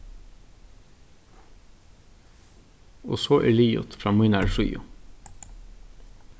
og so er liðugt frá mínari síðu